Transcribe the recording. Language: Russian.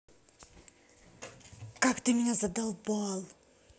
как ты меня задолбал